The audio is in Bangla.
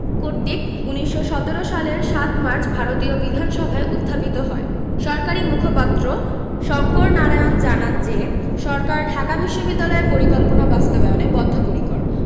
কর্তৃক ১৯১৭ সালের ৭ মার্চ ভারতীয় বিধানসভায় উত্থাপিত হয় সরকারি মুখপাত্র শঙ্কর নারায়ণ জানান যে সরকার ঢাকা বিশ্ববিদ্যালয় পরিকল্পনা বাস্তবায়নে বদ্ধপরিকর